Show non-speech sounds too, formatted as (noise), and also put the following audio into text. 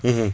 (hesitation) (hesitation)